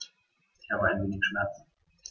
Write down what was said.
Ich habe ein wenig Schmerzen.